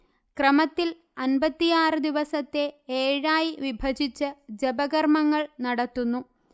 ക്രമത്തിൽ അമ്പത്തിയാറു ദിവസത്തെ ഏഴായി വിഭജിച്ച് ജപകർമങ്ങൾ നടത്തുന്നു